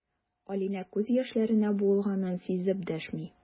Алинә күз яшьләренә буылганын сизеп дәшми.